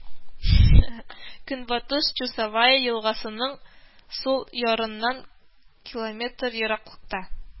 Көнбатыш Чусовая елгасының сул ярыннан километр ераклыкта